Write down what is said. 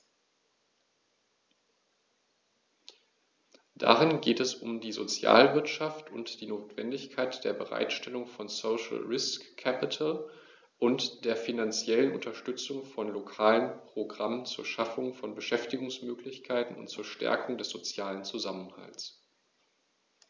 Darin geht es um die Sozialwirtschaft und die Notwendigkeit der Bereitstellung von "social risk capital" und der finanziellen Unterstützung von lokalen Programmen zur Schaffung von Beschäftigungsmöglichkeiten und zur Stärkung des sozialen Zusammenhalts.